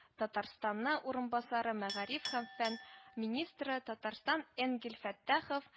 Татарстанны урынбасары - мәгариф һәм фән министры Татарстан Энгель Фәттахов